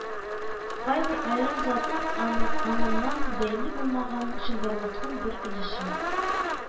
Кайбер аерым затын аның аңыннан бәйле булмаган чынбарлыкның бер өлеше